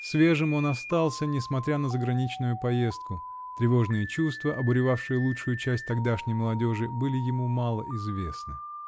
Свежим он остался, несмотря на заграничную поездку: тревожные чувства, обуревавшие лучшую часть тогдашней молодежи, были ему мало известны.